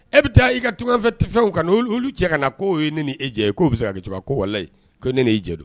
E bɛ taa i ka tungafɛ fɛnw ka n' olu cɛ ka na k'o ye ne ni e jɛ ye k'o bɛ se ka kɛ cogoya ko walahi ko ne ni e jɛ don